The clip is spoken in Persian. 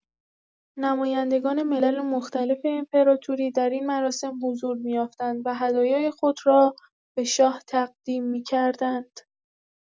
نمایندگان ملل مختلف امپراتوری در این مراسم حضور می‌یافتند و هدایای خود را به شاه تقدیم می‌کردند.